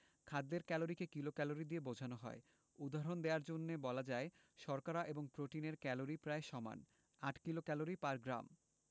খাদ্যের ক্যালরিকে কিলোক্যালরি দিয়ে বোঝানো হয় উদাহরণ দেয়ার জন্যে বলা যায় শর্করা এবং প্রোটিনের ক্যালরি প্রায় সমান ৮ কিলোক্যালরি পার গ্রাম